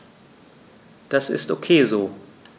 Das ist ok so.